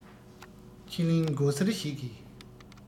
ཕྱི གླིང མགོ སེར ཞིག གིས